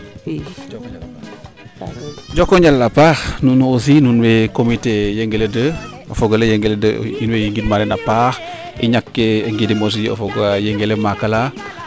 njoko njal a paax nuun aussi nuun way te Yengele 2 o fogole Yengele 2 in ngend ma den a paax i ñake ngidim aussi o fogole Yengle maak la